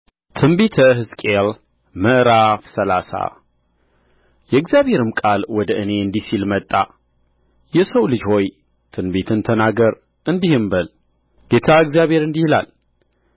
በትንቢተ ሕዝቅኤል ምዕራፍ ሰላሳ የእግዚአብሔርም ቃል ወደ እኔ እንዲህ ሲል መጣ የሰው ልጅ ሆይ ትንቢት ተናገር እንዲህም በል ጌታ እግዚአብሔር እንዲህ ይላል